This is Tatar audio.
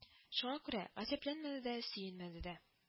Шуңа күрә, гаҗәпләнмәде дә, сөенмәде дә